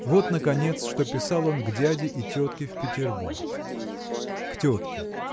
Вот, наконец, что писал он к дяде и тетке в Петербург. К тетке